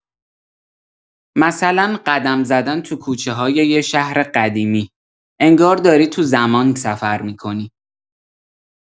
مثلا قدم زدن توی کوچه‌های یه شهر قدیمی، انگار داری تو زمان سفر می‌کنی.